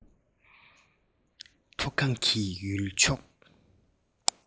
མཐོ སྒང གི ཡུལ མཆོག